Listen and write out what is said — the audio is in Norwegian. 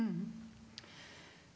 ja.